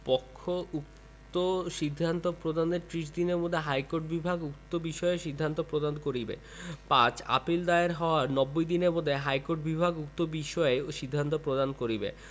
পক্ষ উক্ত সিদ্ধান্ত প্রদানের ত্রিশ দিনের মধ্যে হাইকোর্ট বিভাগ উক্ত বিষয়ে সিদ্ধান্ত প্রদান করিবে ৫ আপীল দায়ের হওয়ার নব্বই দিনের মধ্যে হাইকোর্ট বিভাগ উক্ত বিষয়ে সিদ্ধান্ত প্রদান করিবে